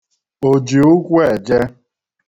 òjìụkwụēje